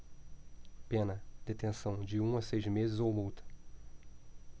pena detenção de um a seis meses ou multa